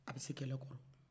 a bɛ se kɛlɛ kɔrɔ